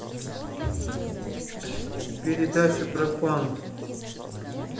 передача про панд